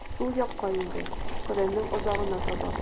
Сул якка инде, Коръәннең азагына таба.